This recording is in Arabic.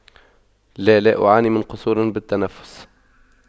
لا لا أعاني من قصور بالتنفس